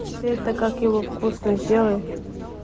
ты это как его вкусно сделай